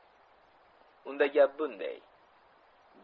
unda gap bunday